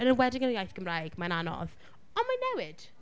yn enwedig yn yr iaith Gymraeg, mae'n anodd. Ond mae’n newid.